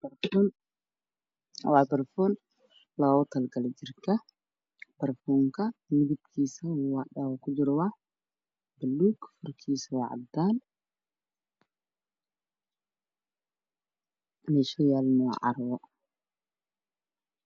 Waa barfuun loogu tala galay jirka midabkiisu yahay buluug meesha u yaalla waa carwo waana miis